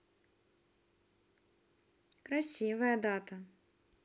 красивая дата